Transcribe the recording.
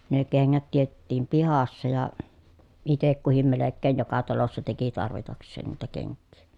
ne kengät teetettiin pihassa ja itse kukin melkein joka talossa teki tarvitakseen niitä kenkiä